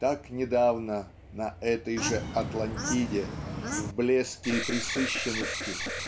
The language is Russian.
так недавно на этой же "Атлантиде" в блеске и пресыщенности